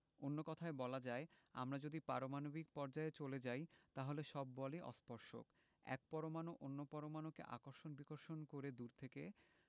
অন্য কথায় বলা যায় আমরা যদি পারমাণবিক পর্যায়ে চলে যাই তাহলে সব বলই অস্পর্শক এক পরমাণু অন্য পরমাণুকে আকর্ষণ বিকর্ষণ করে দূর থেকে